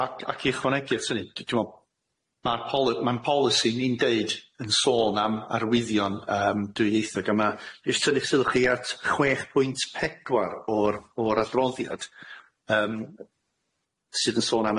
A ac ac i ychwanegu at hynny t- t'mo' ma'r poly- ma'n polisi ni'n deud yn sôn am arwyddion yym dwyieithog a ma' jyst tynnu syddwch chi at chwech pwynt pedwar o'r o'r adroddiad yym sydd yn sôn am